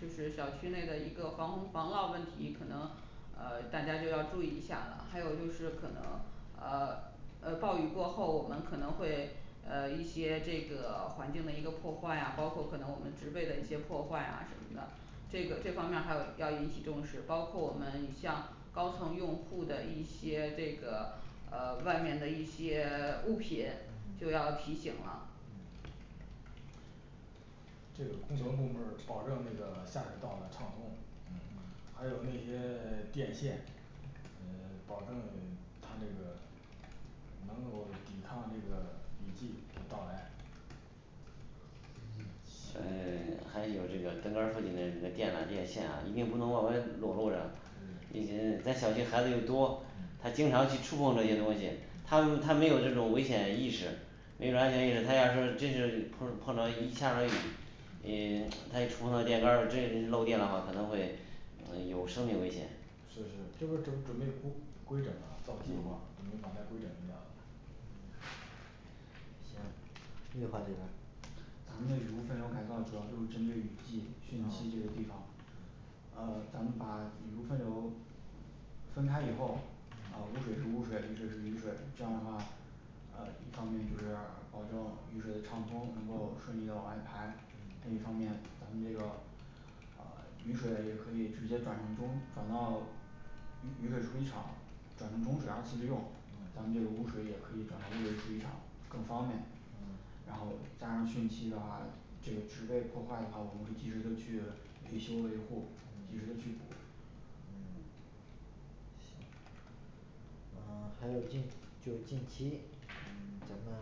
就是小区内的一个防洪防涝问题，可能呃大家就要注意一下了，还有就是可能呃呃暴雨过后我们可能会呃一些这个 环境的一个破坏呀，包括可能我们植被的一些破坏呀什么的，这个这方面儿还有要引起重视，包括我们像高层用户的一些这个呃外面的一些物品嗯就要提醒了这个工程部门儿保证那个下水道的畅通，嗯还有那些 电线呃保证它这个能够抵抗这个雨季的到来。嗯行嗯还有这个灯杆儿附近的这个电缆，电线啊一定不能往外裸露着对对对毕竟咱小区孩子又多，嗯他经常去触碰这些东西，嗯他们 他没有这种危险意识没有安全意识他要说就是碰碰到一下个雨因为他一触碰电杆儿真是漏电的话可能会嗯有生命危险是是，这不是正准备估 归整啊造计划，嗯准备把那归整一下行，绿化这边儿咱们的雨污分流改造主要就是针对雨季汛期这啊个地方嗯呃咱们把雨污分流分开以后，啊污水是污水，雨水是雨水，这样的话 呃一方面就是保证雨水的畅通，能够顺利的往外排，另一方面咱们这个啊雨水也可以直接转成中转到雨雨水处理厂，转成中水二次利用，咱们这个污水也可以转到污水处理厂更方便。然后加上汛期的话，这个植被破坏的话，我们会及时的去维修维护，及时的去补。嗯嗯行嗯 还有近就近期咱们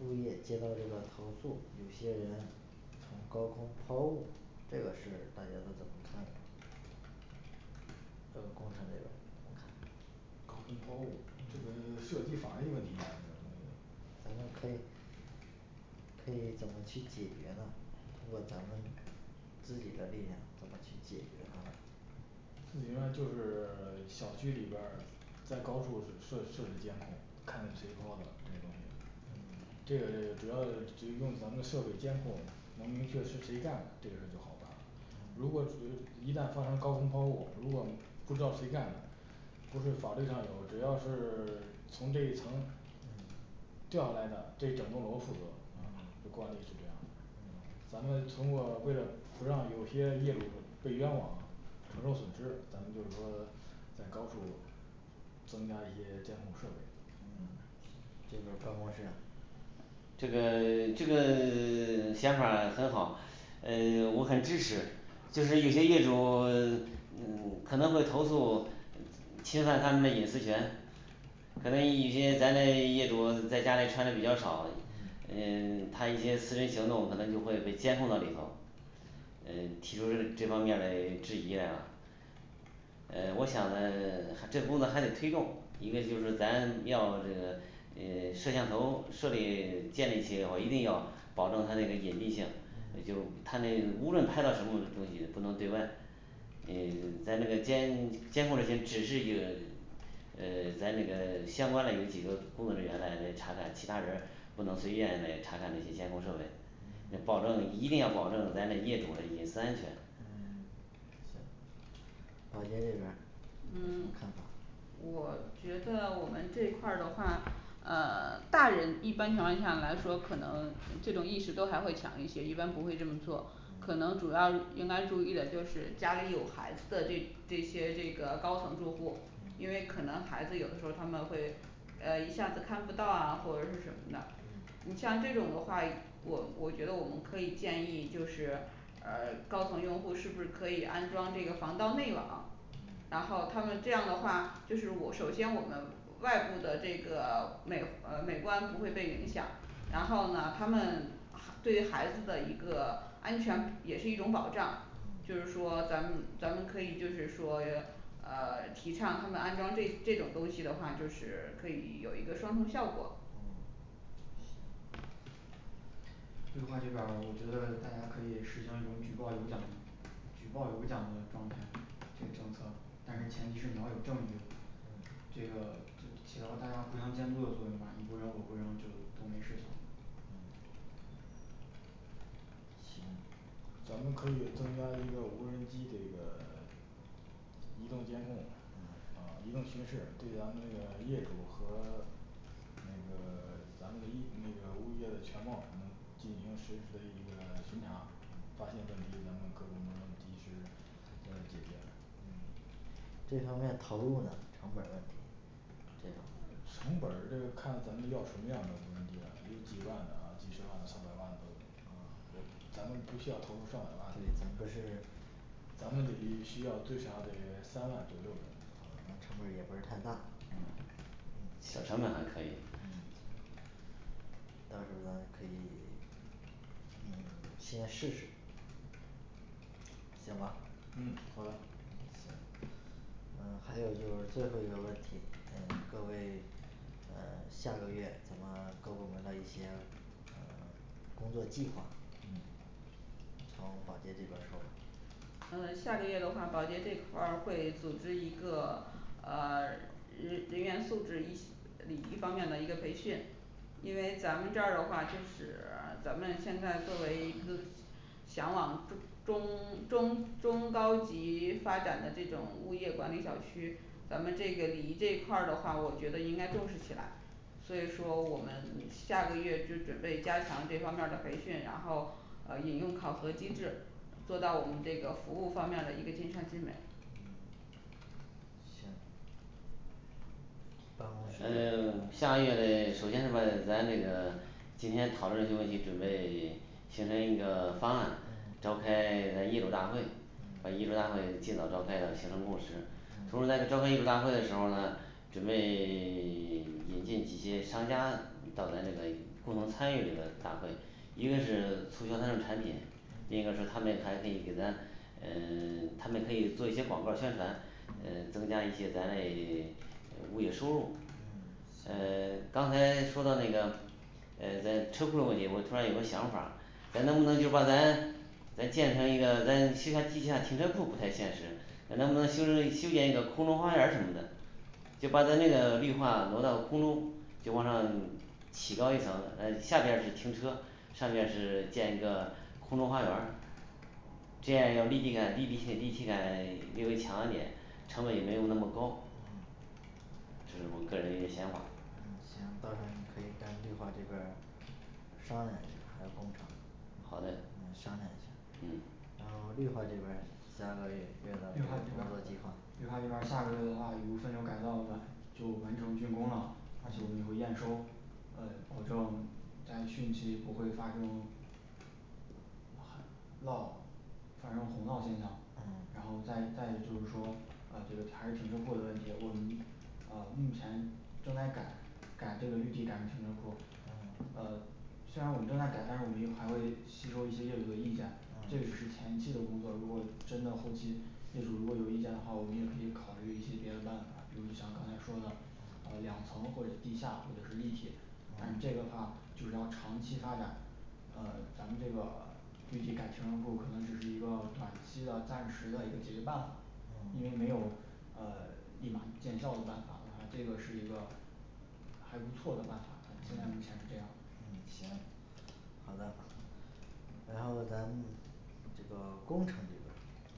物业接到这个投诉，有些从高空抛物，这个事儿大家都怎么看？这工程这边儿高空抛物这个涉及法律问题呀这个东西咱们可以可以怎么去解决呢？通过咱们自己的力量怎么去解决它呢自行了就是 小区里边儿在高处就设设置监控，看是谁抛的这东西嗯这个 主要的得用咱们的设备监控，能明确是谁干的，这个事儿就好办。如果有一旦发生高空抛物，如果不知道谁干的不是法律上有，只要是 从这一层掉下来的这整栋楼负责，啊这惯例是这样的，啊咱们通过为了不让有些业主被冤枉啊，承受损失，咱们就是说在高处增加一些监控设备嗯这边儿办公室呢这个这个 想法儿很好，嗯我很支持就是有些业主 嗯可能会投诉侵犯他们的隐私权可能有些咱的业主在家里穿的比较少，嗯 他一些私人行动可能就会被监控到里头，嗯提出这方面嘞 质疑来啊。嗯我想呢 这个工作还得推动，一个就是咱要这个嗯摄像头设备 建立起来的话，一定要保证它这个隐蔽性，也就它那无论拍到什么东西，不能对外嗯咱这个监监控这些只是一个嗯咱这个 相关嘞有几个工作人员来来查看，其他人不能随便来查看这些监控设备，要保证一定要保证咱的业主嘞隐私安全嗯 行保洁这边儿有什么嗯看法我觉得我们这一块儿的话呃 大人一般情况下来说，可能这种意识都还会强一些，一般不会这么做，可嗯能主要应该注意的就是家里有孩子的这这些这个高层住户儿因为可能孩子有的时候他们会啊一下子看不到啊或者是什么的。你像这种的话，我我觉得我们可以建议就是呃高层用户是不是可以安装这个防盗内网然后他们这样的话，就是我首先我们外部的这个 美呃美观不会被影响，然后呢他们 对孩子的一个安全也是一种保障，就是嗯说咱们咱们可以就是说要呃 提倡他们安装这这种东西的话，就是可以有一个双重效果，绿化这边儿我觉得大家可以实行一种举报有奖这个就起到大家互相监督的作用嘛，你不扔我不扔就都没事情了。行咱们可以增加一个无人机这个 移动监控嗯呃一种形式对咱们这个业主和 那个 咱们的业 那个物业的全貌，我们进行实时的一个巡查。嗯这方面投入呢成本儿问题，呃这成本儿这个看咱们要什么样的无人机了，有几万的呃几十万的上百万的都有嗯咱们不需要投入上百万对的，咱不是咱们得 也需要最少得 三万左右的这个那成本儿也不是太大嗯小成本还可以嗯到时候儿咱们可以 嗯 先试试。行吧嗯好的嗯还有就是最后一个问题，嗯各位嗯下个月怎么各部门的一些嗯工作计划，嗯从保洁这边儿说嗯下个月的话保洁这块儿会组织一个啊 人 人员素质一一方面的一个培训，因为咱们这儿的话，就是 咱们现在作为一个向往中 中中中高级发展的这种物业管理小区咱们这些礼仪这一块儿的话，我觉得应该重视起来，所以说我们嗯下个月就准备加强这方面儿的培训，然后啊引用考核机制，做到我们这个服务方面儿的一个尽善尽美。行办公室嗯下个月嘞首先是把咱这个今天讨论东西准备 形成一个 方案，嗯召开咱业主大会把业主大会尽早召开了形成共识同时在召开业主大会的时候儿呢，准备 引进一些商家到咱这个共同参与这个大会，一个是促销他们产品，另一个是他们也还可以给咱嗯 他们也可以做一些广告宣传嗯增加一些咱嘞 物业收入。嗯 刚才说到这个呃咱车库的问题，我突然有个想法儿，咱能不能就把咱咱建成一个咱虽然地下停车库不太现实，那能不能修修建一个空中花园儿什么的，就把咱那个绿化挪到空中，就往上起高一层，咱下边儿是停车，上边儿是建一个空中花园儿这样有立体感立体性立体感 略微强一点，成本也没有那么高这是我个人的一些想法儿。嗯行，到时候你可以跟绿化这边儿商量一下儿，还有工程。好嘞，嗯商量一下儿嗯然后绿化这边儿下个月月绿化的这边工儿作计划绿化这边儿下个月的话，雨污分流改造部分，就完成竣工了，而且我们也会验收，呃保证在汛期不会发生旱涝产生洪涝现象嗯然后再再一个就是说呃就是还是停车库的问题，我们呃目前正在改改这个绿地改成停车库嗯呃虽然我们正在改，但是我们也还会吸收一些业主的意见，这啊只是前期的工作，如果真到后期业主如果有意见的话，我们也可以考虑一些别的办法，比如就像刚才说的呃两层或者地下或者是立体，但是这个的话就是要长期发展，呃咱们这个 具体改停车库可能只是一个短期的暂时的一个解决办法，因为啊没有呃立马见效的办法的话完了，这个是一个呃还不错的办法，嗯现在目前是这嗯样。嗯行 好的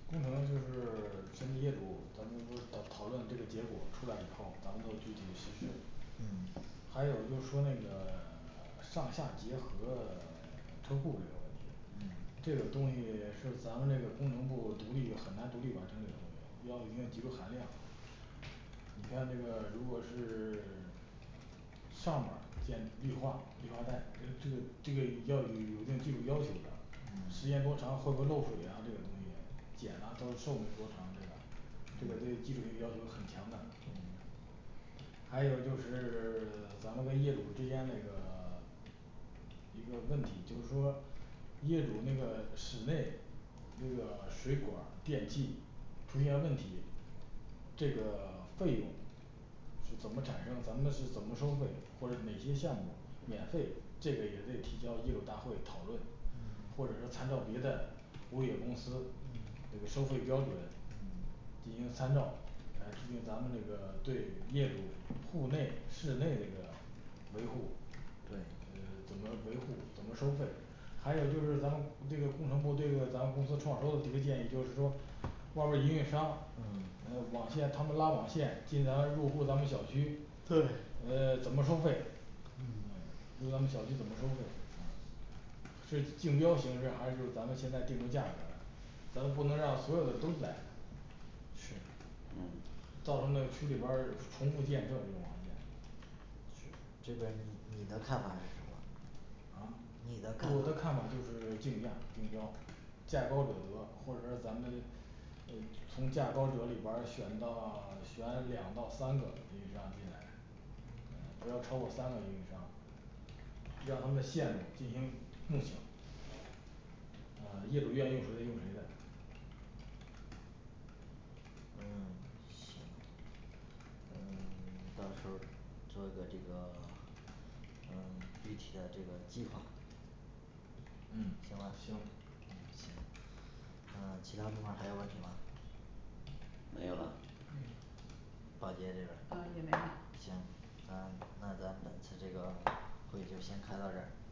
工程就是全体业主，咱们不是导 讨论这个结果出来以后咱们就具体实施。嗯还有就是说那个 上下结合 车库这个问题嗯这个东西 是咱们这个工程部独立很难独立完成，这个东西要一定技术含量。你看这个如果是 上面儿建绿化绿化带这个这个这个要有一定技术要求的，时嗯间多长会不会漏水呀，这个东西碱啊都寿命多长这个？这个对基础性要求很强的对。还有就是 咱们跟业主之间嘞一个 一个问题就是说业主那个室内、这个水管儿、电器出现问题，这个费用是怎么产生，咱们是怎么收费，或者哪些项目免费，这个也得提交业主大会讨论，或者说参照别的物业公司这个收费标准进行参照来制定咱们这个对业主户内室内这个维护，对嗯怎么维护怎么收费，还有就是咱们这个工程部这个咱们公司创收提个建议就是说外边儿营运商嗯嗯网线，他们拉网线进咱们入户咱们小区对嗯怎么收费？嗯嗯入咱们小区怎么收费？嗯是竞标形式还就是咱们现在定个价格儿，咱们不能让所有的都来嗯造成那个区里边儿重复建设这个网线是这边儿你的看法是什么？啊你的看我的看法法就是竞价竞标，价高者得，或者说咱们呃从价高者里边儿选到 选两到三个运营商进来，呃不要超过三个运营商，让他们的线呢进行共享嗯业主愿意用谁的用谁的，嗯行咱们 到时候儿做个这个 呃具体的这个计划。嗯行吧行呃其他部门儿还有问题吗没有了没有保洁这边嗯儿也没了行那那咱本次这个会就先开到这儿